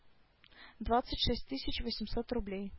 Двадцать шесть тысяч восемьсот рублей